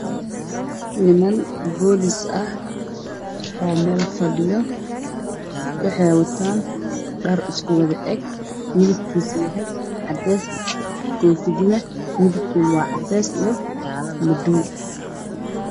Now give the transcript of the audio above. Niman police ah oo meel fadhiyo waxay wataan dhar isku eg